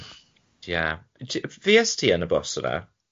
Ie, ti- fues ti yn y bws yna?